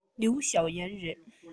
ལིའི ཞའོ ཡན རེད